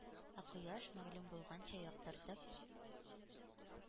Ә кояш, мәгълүм булганча, яктыртып,